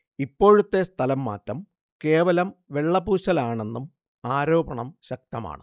ഇപ്പോഴത്തെ സ്ഥലം മാറ്റം കേവലം വെള്ളപൂശലാണെന്നും ആരോപണം ശക്തമാണ്